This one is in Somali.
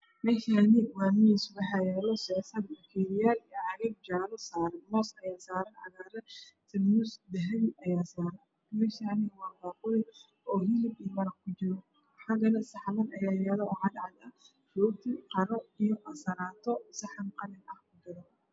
Meeshaani waa miis moos cagaar ayaa saaran tarmuua ayaa saaran meeshaani waa saxan cadaan rooti ansallato saxan qalin ku jiro